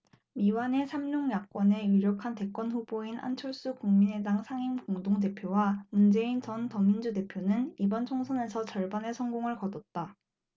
미완의 삼룡 야권의 유력한 대권후보인 안철수 국민의당 상임공동대표와 문재인 전 더민주 대표는 이번 총선에서 절반의 성공을 거뒀다